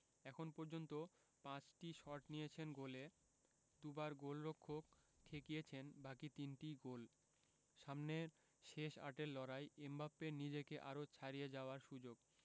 এখন পর্যন্ত ৫টি শট নিয়েছেন গোলে দুবার গোলরক্ষক ঠেকিয়েছেন বাকি তিনটাই গোল সামনে শেষ আটের লড়াই এমবাপ্পের নিজেকে আরও ছাড়িয়ে যাওয়ার সুযোগ